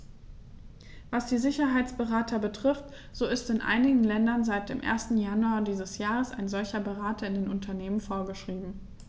Was die Sicherheitsberater betrifft, so ist in einigen Ländern seit dem 1. Januar dieses Jahres ein solcher Berater in den Unternehmen vorgeschrieben.